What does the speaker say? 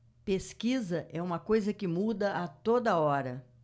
pesquisa é uma coisa que muda a toda hora